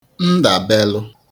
ndàbelụ